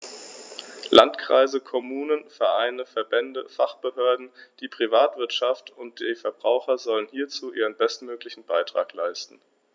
Landkreise, Kommunen, Vereine, Verbände, Fachbehörden, die Privatwirtschaft und die Verbraucher sollen hierzu ihren bestmöglichen Beitrag leisten.